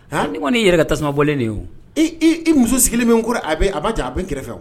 Aa ni kɔni'i yɛrɛ ka tasuma bɔlen de i muso sigilen min ko a bɛ a baa jɛ a bɛ kɛrɛfɛ fɛ